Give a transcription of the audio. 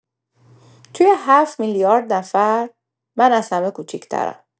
توی ۷ میلیارد نفر، من از همه کوچک‌ترم!